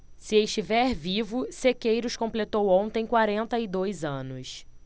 se estiver vivo sequeiros completou ontem quarenta e dois anos